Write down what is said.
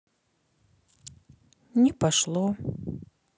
не пошло